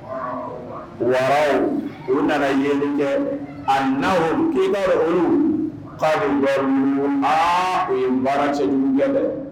u nana yeli kɛ k'i b'a olu aa o ye baara cɛjugu kɛ dɛ